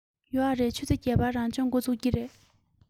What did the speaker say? ཡོད རེད ཆུ ཚོད བརྒྱད པར རང སྦྱོང འགོ ཚུགས ཀྱི རེད